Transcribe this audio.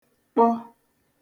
kpọ